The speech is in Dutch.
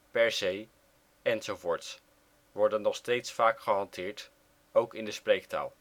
per se enz.) worden nog steeds vaak gehanteerd, ook in de spreektaal